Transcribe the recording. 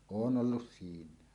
olen ollut siinä